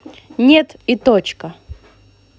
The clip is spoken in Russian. нет и точка